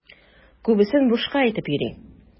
Күбесен бушка әйтеп йөри.